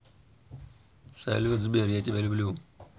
салют сбер я тебя люблю